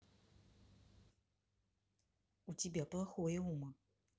у тебя плохое ума